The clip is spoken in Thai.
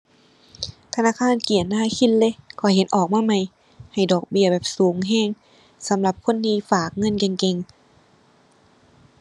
ธนาคารเกียรตินาคินเลย ข้อยเห็นออกมาใหม่ ให้ดอกเบี้ยแบบสูงแรงสำหรับคนที่ฝากเงินเก่งเก่ง